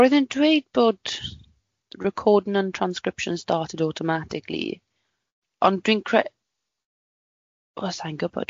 Roedd e'n dweud bod recording and transcription started automatically ond dwi'n cre-. Wel, sa i'n gwybod.